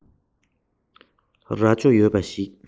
རྭ ཅོ ཡོད པ ཞིག